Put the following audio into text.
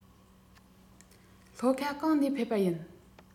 ལྷོ ཁ གང ནས ཕེབས པ ཡིན